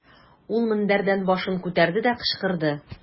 Ул мендәрдән башын күтәрде дә, кычкырды.